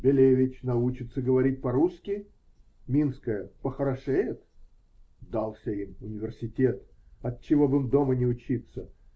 Белевич научится говорить по-русски? Минская похорошеет? Дался им университет. Отчего б им дома не учиться?